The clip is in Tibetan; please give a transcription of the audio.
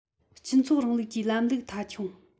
སྤྱི ཚོགས རིང ལུགས ཀྱི ལམ ལུགས མཐའ འཁྱོངས